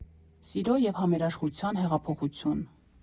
Սիրո և Համերաշխության Հեղափոխություն։